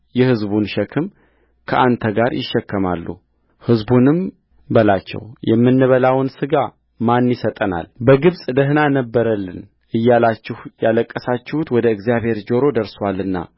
የሕዝቡን ሸክም ከአንተ ጋር ይሸከማሉሕዝቡንም በላቸው የምንበላውን ሥጋ ማን ይሰጠናል በግብፅ ደኅና ነበረልን እያላችሁ ያለቀሳችሁት ወደ እግዚአብሔር ጆሮ ደርሶአልና